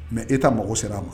Mais État mago sera a ma.